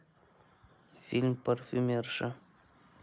фильм парфюмерша